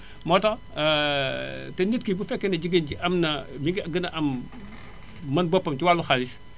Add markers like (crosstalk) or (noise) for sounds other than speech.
moo tax (hesitation) te nit ki bu fekkee ne jigéen ji am na mi ngi gën a am (noise) mën boppam ci wàllu xaalis